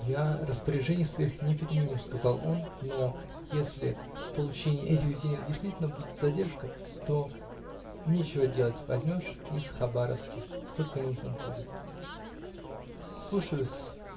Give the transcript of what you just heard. -- Я распоряжений своих не переменю, -- сказал он, -- но если в получении этих денег действительно будет задержка, то, нечего делать, возьмешь из хабаровских, сколько нужно будет. -- Слушаю-с.